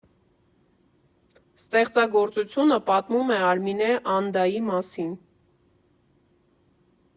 Ստեղծագործությունը պատմում է Արմինե Անդայի մասին։